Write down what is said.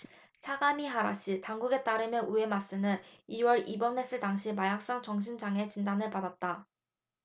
사가미하라시 당국에 따르면 우에마쓰는 이 월 입원했을 당시 마약성 정신장애진단을 받았다